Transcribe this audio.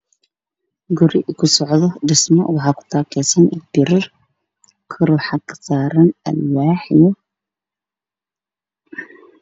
Waa guriga dhismo ku socda kor waxaa uga celinaya al waaxigii baro waana shug dhagax ah